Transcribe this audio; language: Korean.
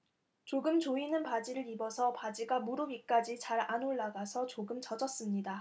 조금 조이는 바지를 입어서 바지가 무릎 위까지 잘 안 올라가서 조금 젖었습니다